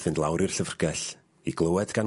...fynd lawr i'r llyfrgell i glywed gan...